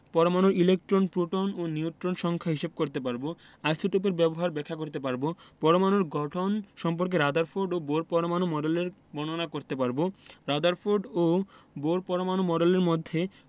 পরমাণুর electron proton ও neutron সংখ্যা হিসাব করতে পারব আইসোটোপের ব্যবহার ব্যাখ্যা করতে পারব পরমাণুর গঠন সম্পর্কে রাদারফোর্ড ও বোর পরমাণু মডেলের বর্ণনা করতে পারব রাদারফোর্ড ও বোর পরমাণু মডেলের মধ্যে